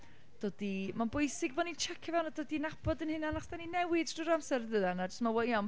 dod i… Mae'n bwysig bod ni'n checio fewn a dod i nabod ein hunan. Achos dan ni'n newid drwy'r amser yn dydan, a jyst yn meddwl, wel, ia...